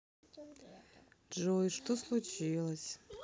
джой что случилось